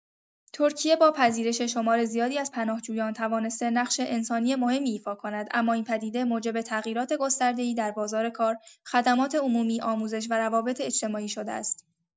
ترکیه با پذیرش شمار زیادی از پناهجویان توانسته نقش انسانی مهمی ایفا کند، اما این پدیده موجب تغییرات گسترده‌ای در بازار کار، خدمات عمومی، آموزش و روابط اجتماعی شده است.